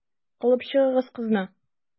Алып чыгыгыз кызны.